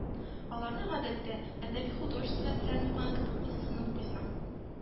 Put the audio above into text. Аларны, гадәттә, әдәби-художество әсәрен укыган кебек кызыксынып укыйсың.